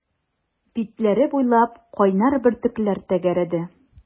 Битләре буйлап кайнар бөртекләр тәгәрәде.